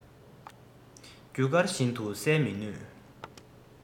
རྒྱུ སྐར བཞིན དུ གསལ མི ནུས